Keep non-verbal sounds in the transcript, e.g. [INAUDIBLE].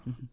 [HESITATION] [HESITATION]